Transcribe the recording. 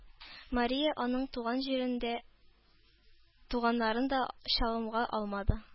Мария аның туган җирен дә, туганнарын да чалымга алмады.